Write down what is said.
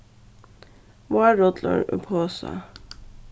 várrullur í posa